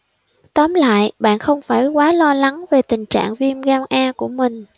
tóm lại bạn không phải quá lo lắng về tình trạng viêm gan a của mình